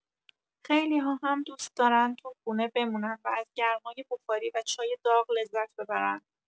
خیلی‌ها هم دوست دارن تو خونه بمونن و از گرمای بخاری و چای داغ لذت ببرن.